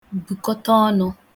bùkọta ọnụ